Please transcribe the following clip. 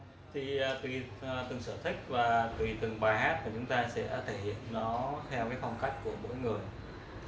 thì tùy sở thích và tùy từng bài hát tùy từng phong cách mà mỗi người sẽ thể hiện khác nhau